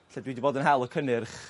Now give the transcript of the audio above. lle dwi 'di bod yn hel y cynnyrch